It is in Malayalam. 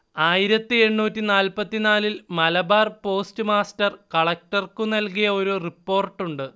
ആയിരത്തിഎണ്ണൂറ്റിനാല്പത്തിനാലിൽ മലബാർ പോസ്റ്റ്മാസ്റ്റർ കളക്ടർക്കു നൽകിയ ഒരു റിപ്പോർട്ടുണ്ട്